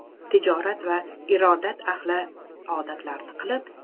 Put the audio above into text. tijorat va irodat ahli odatlarini qilib